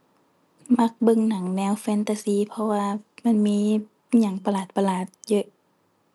มักเบิ่งหนังแนวแฟนตาซี เพราะว่ามันมีอิหยังประหลาดประหลาดเยอะ